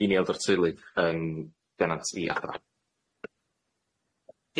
Yy gin i eulod o'r teulu yn denant i Adra.